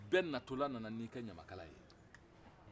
bɛɛ natɔla nana n'i ka ɲamakala ye